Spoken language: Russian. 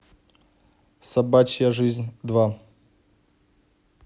собачья жизнь два